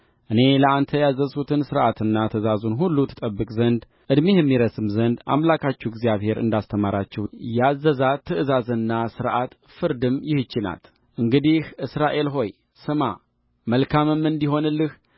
እኔ ለአንተ ያዘዝሁትን ሥርዓቱንና ትእዛዙን ሁሉ ትጠብቅ ዘንድ ዕድሜህም ይረዝም ዘንድ አምላካችሁ እግዚአብሔር እንዳስተምራችሁ ያዘዛት ትእዛዝና ሥርዓት ፍርድም ይህች ናትእንግዲህ እስራኤል ሆይ ስማ መልካምም እንዲሆንልህ